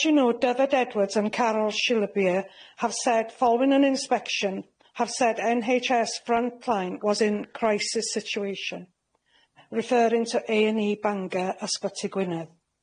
As you know, Dyfed Edwards and Carol Shilabeer have said, following an inspection, have said NHS frontline was in crisis situation referring to A&E Bangor, Ysbyty Gwynedd.